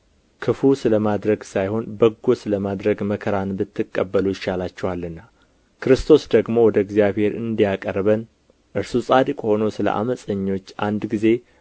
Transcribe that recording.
ክፉ ስለ ማድረግ ሳይሆን በጎ ስለ ማድረግ መከራን ብትቀበሉ ይሻላችኋልና ክርስቶስ ደግሞ ወደ እግዚአብሔር እንዲያቀርበን እርሱ ጻድቅ ሆኖ ስለ ዓመፀኞች አንድ ጊዜ